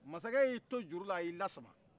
mansakɛ y'i to juru la a y'i lasama